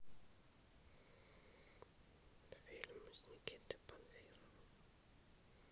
фильмы с никитой панфиловым